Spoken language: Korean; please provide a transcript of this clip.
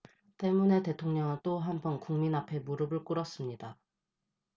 때문에 대통령은 또 한 번 국민 앞에 무릎을 꿇었습니다